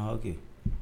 A' kɛ